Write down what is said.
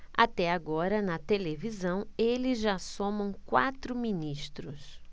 até agora na televisão eles já somam quatro ministros